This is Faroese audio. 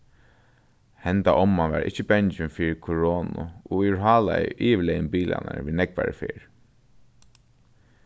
henda omman var ikki bangin fyri koronu og yvirhálaði yvirlegin bilarnar við nógvari ferð